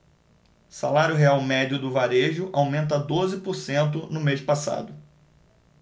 salário real médio do varejo aumenta doze por cento no mês passado